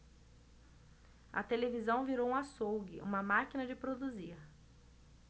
a televisão virou um açougue uma máquina de produzir